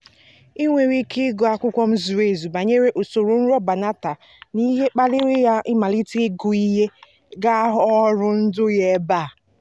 Ị nwere ike ịgụ akụkọ m zuru ezu banyere usoro nrọ Banatah na ihe kpaliri ya ịmalite igwu ihe ga-aghọ ọrụ ndụ ya ebe a: